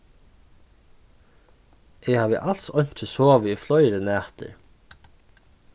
eg havi als einki sovið í fleiri nætur